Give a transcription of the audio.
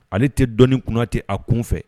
Ale tɛ dɔɔnini kunnatɛ a kun fɛ